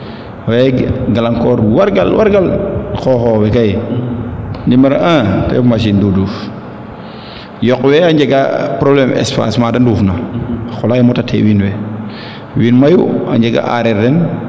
oswey galang koor wargal wargal xoxox we kay numero un ten refu machine duduuf yoq we a njega probleme espace maade nduuf na xa qola xe mota te wiin we wiin mayu a njaga areer ren